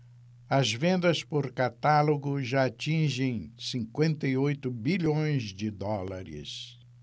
as vendas por catálogo já atingem cinquenta e oito bilhões de dólares